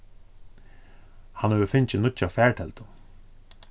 hann hevur fingið nýggja farteldu